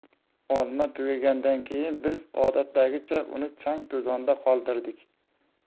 olma tugagandan keyin biz odatdagicha uni chang to'zonda qoldirdik